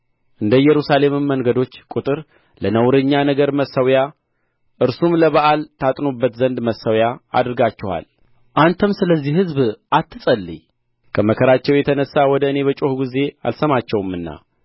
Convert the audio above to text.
እንደ ኢየሩሳሌምም መንገዶች ቍጥር ለነውረኛ ነገር መሠዊያ እርሱም ለበኣል ታጥኑበት ዘንድ መሠዊያ አድርጋችኋል አንተም ስለዚህ ሕዝብ አትጸልይ ከመከራቸው የተነሣ ወደ እኔ በጮኹ ጊዜ አልሰማቸውምና